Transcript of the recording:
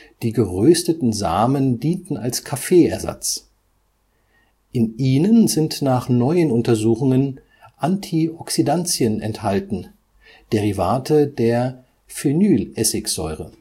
Die gerösteten Samen dienten als Kaffee-Ersatz. In ihnen sind nach neuen Untersuchungen Antioxidantien enthalten, Derivate der Phenylessigsäure